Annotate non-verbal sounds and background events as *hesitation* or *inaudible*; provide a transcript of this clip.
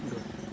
*hesitation* *noise*